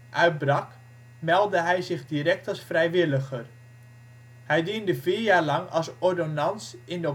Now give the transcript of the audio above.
uitbrak meldde hij zich direct als vrijwilliger. Hij diende vier jaar lang als ordonnans in